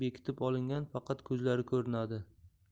bekitib olingan faqat ko'zlari ko'rinadi